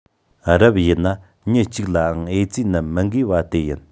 རབ ཡིན ན མི གཅིག ལའང ཨེ ཙི ནད མི འགོས པ དེ ཡིན